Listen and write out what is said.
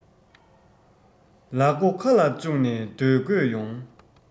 ལག མགོ ཁ ལ བཅུག ནས སྡོད དགོས ཡོང